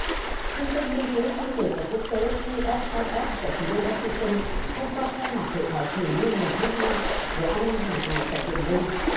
trung tâm nghiên cứu chiến lược và quốc tế xi ét ai ét tại thủ đô goa sinh tơn hôm qua khai mạc hội thảo thường niên lần thứ hai về an ninh hàng hải tại biển đông